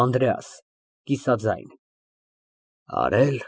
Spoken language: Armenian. ԱՆԴՐԵԱՍ ֊ (Կիսաձայն) Արել։